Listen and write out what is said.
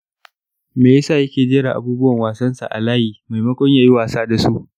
me yasa yake jera abubuwan wasansa a layi maimakon ya yi wasa da su?